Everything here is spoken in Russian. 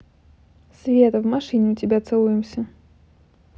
света в машине у тебя целуемся